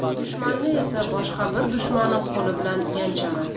dushmanni esa boshqa bir dushmanim qo'li bilan yanchaman